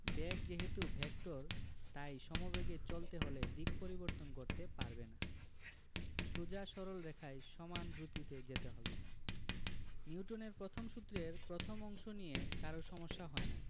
বেগ যেহেতু ভেক্টর তাই সমবেগে চলতে হলে দিক পরিবর্তন করতে পারবে না সোজা সরল রেখায় সমান দ্রুতিতে যেতে হবে নিউটনের প্রথম সূত্রের প্রথম অংশ নিয়ে কারো সমস্যা হয় না